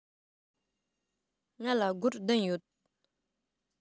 ང ལ སྒོར བདུན ཡོད